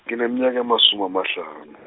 ngineminyaka emasumi amahlanu.